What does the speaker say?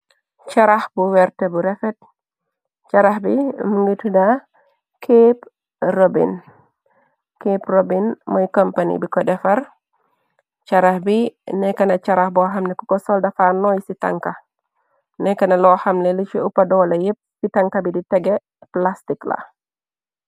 Cuarax bu werte bu rafet charax bi mu ngi tudda kape robin, kape robin moy kompani bi ko defar carax bi nekka na carax bo xamne ku ko sol dafaa nooy ci tanka nekka na loo xamne li ci upa doole yépp ci tanka bi di tegeh plastik la.